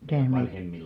mitä -